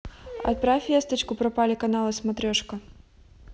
отправь весточку пропали каналы смотрешка